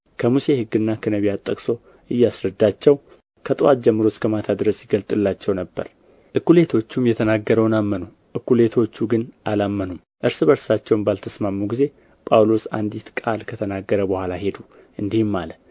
ከሙሴ ሕግና ከነቢያት ጠቅሶ እያስረዳቸው ከጥዋት ጀምሮ እስከ ማታ ድረስ ይገልጥላቸው ነበር እኵሌቶቹም የተናገረውን አመኑ እኵሌቶቹ ግን አላመኑም እርስ በርሳቸውም ባልተስማሙ ጊዜ ጳውሎስ አንዲት ቃል ከተናገረ በኋላ ሄዱ እንዲህም አለ